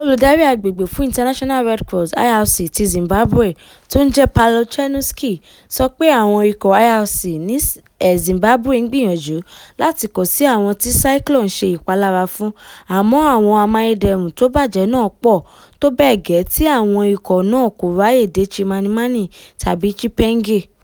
Olùdarí agbègbè fún International Red Cross (IRC) ti Zimbabwe tó ń jẹ́ Paolo Cernuschi sọ pé àwọn ikọ̀ IRC ní Zimbabwe ń gbìyànjú láti kàn sí àwọn tí cyclone ṣe ìpalára fún àmọ́ àwọn ohun amáyedẹrùn tó bàjẹ́ náà pọ̀ tó bẹ́ẹ̀ gẹ́ tí àwọn ikọ̀ nàá kò ráyé dé Chimanimani tàbí Chipinge.